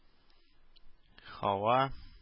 Һава